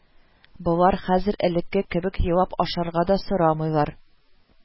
Болар хәзер элекке кебек елап ашарга да сорамыйлар